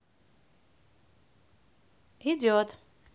идет